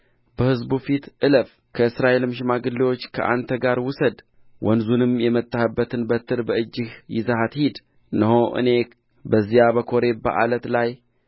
በሕዝቡ ፊት እለፍ ከእስራኤልም ሽማግሌዎች ከአንተ ጋር ውሰድ ወንዙንም የመታህባትን በትር በእጅህ ይዘሃት ሂድ እነሆ እኔ በዚያ በኮሬብ በዓለት ላይ